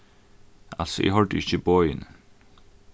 altso eg hoyrdi ikki boðini